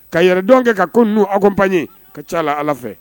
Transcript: Ka yɛrɛ dɔn kɛ ka ko n'u aw ko panye ka ca la ala fɛ